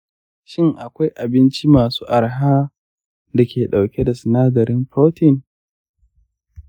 shin akwai abinci masu araha da ke ɗauke da sinadarin protein?